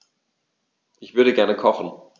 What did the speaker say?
Ich würde gerne kochen.